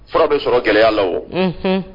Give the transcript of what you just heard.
Fura bɛ sɔrɔ gɛlɛya la wa